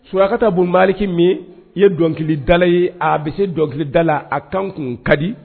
Surakakata bonbaariki min i ye dɔnkili dala ye a bɛ se dɔnkili dala la a kan kun ka di